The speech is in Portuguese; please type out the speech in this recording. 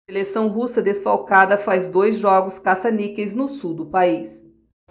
seleção russa desfalcada faz dois jogos caça-níqueis no sul do país